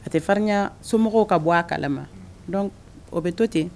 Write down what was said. A tɛ farinya somɔgɔw ka bɔ a kalama donc o bɛ to ten.